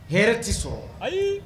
Hɛrɛ tɛ sɔrɔ ayi